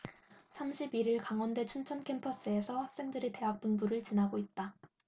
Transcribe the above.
삼십 일 일 강원대 춘천캠퍼스에서 학생들이 대학본부를 지나고 있다